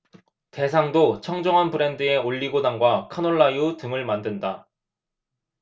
대상도 청정원 브랜드의 올리고당과 카놀라유 등을 만든다